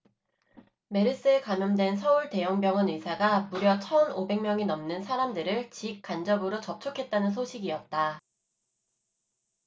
메르스에 감염된 서울 대형 병원 의사가 무려 천 오백 명이 넘는 사람들을 직 간접으로 접촉했다는 소식이었다